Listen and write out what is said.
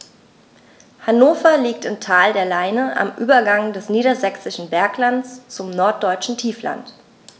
Hannover liegt im Tal der Leine am Übergang des Niedersächsischen Berglands zum Norddeutschen Tiefland.